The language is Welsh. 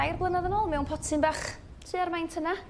dair blynadd yn ôl mewn potyn bach tua'r maint yna